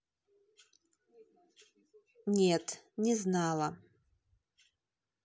нет не знала